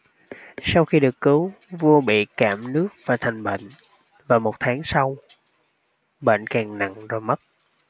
sau khi được cứu vua bị cảm nước là thành bệnh và một tháng sau bệnh càng nặng rồi mất